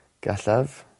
Gallaf.